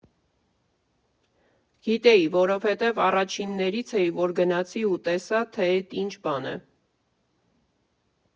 Գիտեի, որովհետև առաջիններից էի, որ գնացի ու տեսա, թե էդ ինչ բան է։